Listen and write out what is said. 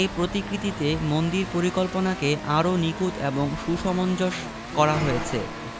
এ প্রতিকৃতিতে মন্দির পরিকল্পনাকে আরও নিখুঁত এবং সুসমঞ্জস করা হয়েছে